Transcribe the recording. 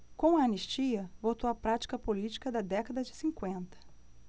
com a anistia voltou a prática política da década de cinquenta